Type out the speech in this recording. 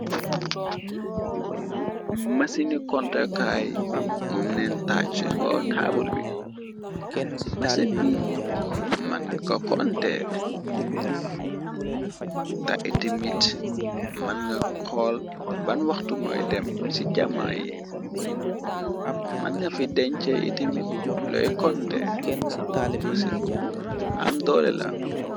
Mësini kontekaay moomneen tajci ko taabul bi mësin bi mën nga ka konte te iti mit mën nga xool ban waxtu mooy dem ci jamono yi mën nga fi denc iti mit loy konte mësin bu am doolela.